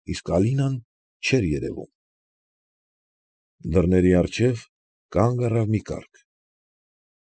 Իսկ Ալինան չէր երևում։ Դռների առջև կանգ առավ մի կառք։